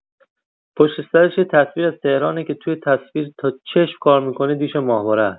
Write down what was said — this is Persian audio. پشت سرش یه تصویر از تهرانه که توی تصویر تا چشم کار می‌کنه دیش ماهواره هست